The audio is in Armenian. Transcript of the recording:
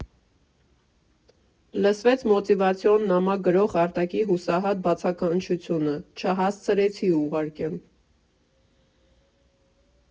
Լսվեց մոտիվացիոն նամակ գրող Արտակի հուսահատ բացականչությունը՝ «Չհասցրեցի ուղարկե՜մ»։